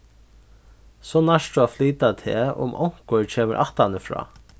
so nært tú at flyta teg um onkur kemur aftanífrá